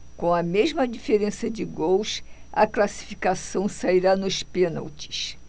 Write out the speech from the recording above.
com a mesma diferença de gols a classificação sairá nos pênaltis